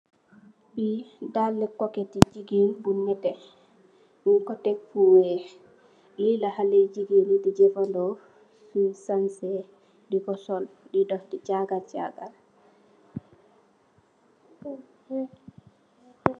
Li daali koketi jigeen bu netex nyun ko tek fu weex li la xalx jigeen yi di jenfando sung sanseh di dox ko sol di jagar jagarr.